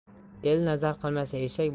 el nazar qilmasa eshak